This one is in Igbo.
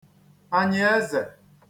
ànyị̀ezè